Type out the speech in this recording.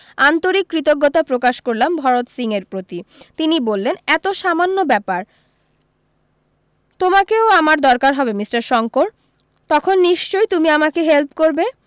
আন্তরিক কৃতজ্ঞতা প্রকাশ করলাম ভরত সিং এর প্রতি তিনি বললেন এতো সামান্য ব্যাপার তোমাকেও আমার দরকার হবে মিষ্টার শংকর তখন নিশ্চয় তুমি আমাকে হেল্প করবে